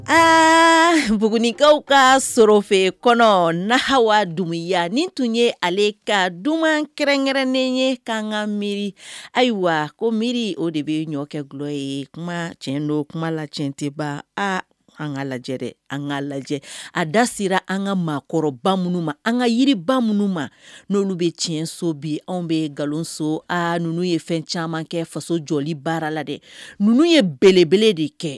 A bugunuguniinkaw ka sɔrɔ fɛ kɔnɔ nawa dunya nin tun ye ale ka dumunikɛrɛn-kɛrɛnnen ye' ka mi ayiwa ko mi o de bɛ ɲɔ kɛlɔ ye kuma cɛn don kuma la cɛn tɛba a an ka lajɛ an ka lajɛ a da sera an ka maakɔrɔbaba minnu ma an ka yiriba minnu ma n' bɛ tiɲɛso bi an bɛ nkalonso a n ye fɛn caman kɛ faso jɔ baara la dɛ ninnu ye belebele de kɛ